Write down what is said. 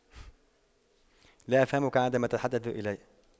لا أفهمك عندما تتحدث إلي